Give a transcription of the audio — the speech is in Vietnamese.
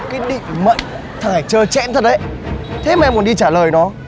cái định mệnh thằng này trơ trẽn thật đấy thế mà em còn đi trả lời nó